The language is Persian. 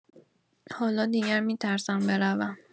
حالا دیگر می‌ترسم بروم.